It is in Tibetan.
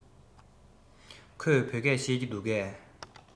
ཁོས བོད སྐད ཤེས ཀྱི འདུག གས